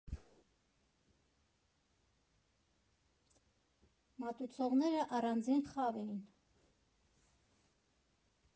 «Մատուցողները առանձին խավ էին։